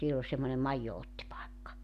siellä oli semmoinen maidonottipaikka